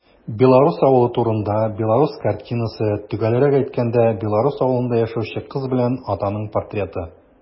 Белорус авылы турында белорус картинасы - төгәлрәк әйткәндә, белорус авылында яшәүче кыз белән атаның портреты.